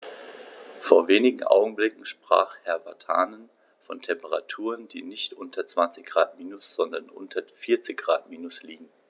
Vor wenigen Augenblicken sprach Herr Vatanen von Temperaturen, die nicht nur unter 20 Grad minus, sondern unter 40 Grad minus liegen.